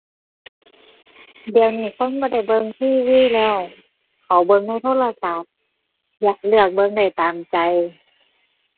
เดี๋ยวนี้คนบ่ได้เบิ่ง TV แล้ว เขาเบิ่งในโทรศัพท์ เลือกเบิ่งได้ตามใจ